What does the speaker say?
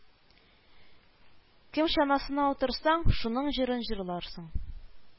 Кем чанасына утырсаң, шуның җырын җырларсың